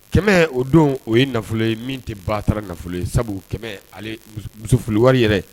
Kɛmɛ o don o ye nafolo ye min tɛ ba sara nafolo ye sabu kɛmɛ musofli wari yɛrɛ